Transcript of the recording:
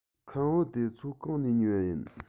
ཁམ བུ དེ ཚོ གང ནས ཉོས པ ཡིན